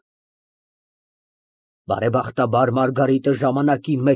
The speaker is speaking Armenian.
Սիրահարված ես, տանջվում ես մի անզուգական երիտասարդի, մի աննման իդեալիստի համար։ (Լուրջ)։